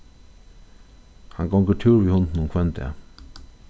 hann gongur túr við hundinum hvønn dag